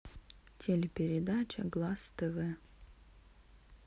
телепередача глас тв